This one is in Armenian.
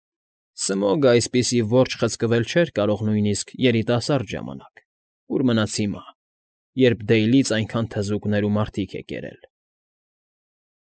Սմոգը այսպիսի որջ խցկվել չէր կարող նույնիսկ երիտասարդ ժամանակ, ուր մնաց հիմա, երբ Դեյլից այնքան թզուկներ ու մարդիկ է կերել։ ֊